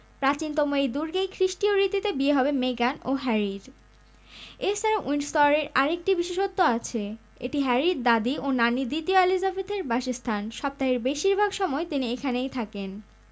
প্রাচীনতম এই দুর্গেই খ্রিষ্টীয় রীতিতে বিয়ে হবে মেগান ও হ্যারির এ ছাড়া উইন্ডসরের আরেকটি বিশেষত্ব আছে এটি হ্যারির দাদি ও রানি দ্বিতীয় এলিজাবেথের বাসস্থান সপ্তাহের বেশির ভাগ সময় তিনি এখানেই থাকেন